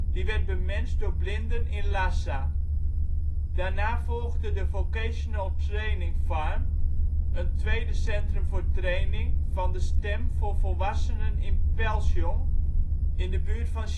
die werd bemenst door blinden in Lhasa. Daarna volgde de Vocational Training Farm, een tweede centrum voor training van de stem voor volwassenen in Pelshong in de buurt van